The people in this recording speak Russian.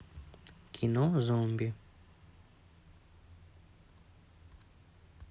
кино зомби